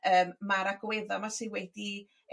yym ma'r agwedda 'ma sy wedi